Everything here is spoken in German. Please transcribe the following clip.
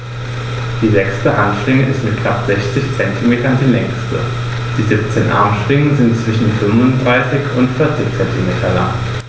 Die sechste Handschwinge ist mit knapp 60 cm die längste. Die 17 Armschwingen sind zwischen 35 und 40 cm lang.